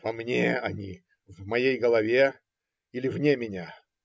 Во мне они, в моей голове, или вне меня?